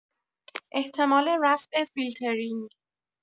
احتمال رفع فیلترینگ